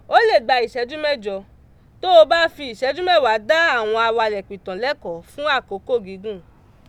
O lè gba ìṣẹ́jú mẹ́jọ, tó o bá fi ìṣẹ́jú mẹ́wàá dá àwọn awalẹ̀pìtàn lẹ́kọ̀ọ́ fún àkókò gígùn.